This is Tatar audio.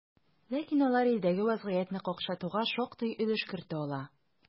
Ләкин алар илдәге вазгыятьне какшатуга шактый өлеш кертә ала.